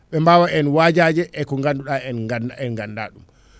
ɓe mbawa en wajaje eko ganduɗa en ganda ɗum